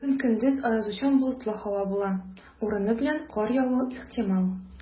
Бүген көндез аязучан болытлы һава була, урыны белән кар явуы ихтимал.